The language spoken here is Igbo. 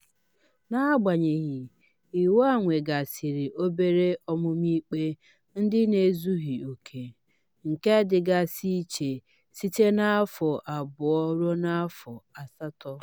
Na-agbanyeghị, iwu a nwe gasịrị obere ọmụma ikpe ndị na-ezughị oke, nke dịgasị iche site n'afọ abụọ ruo afọ asatọ.